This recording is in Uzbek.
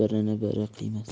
birini biri qiymas